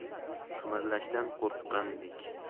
qimirlashdan qo'rqqandek